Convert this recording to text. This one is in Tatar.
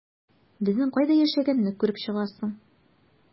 Безнең кайда яшәгәнне күреп чыгарсың...